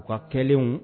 Ka kɛlen